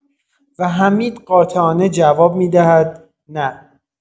و حمید قاطعانه جواب می‌دهد: نه.